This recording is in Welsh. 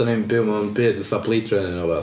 Dan ni'n byw mewn byd fatha Blade Runner neu rywbeth.